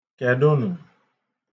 Kedụnụ?